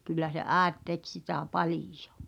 kyllä se äiti teki sitä paljon